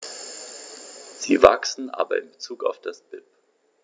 Sie wachsen, aber in bezug auf das BIP.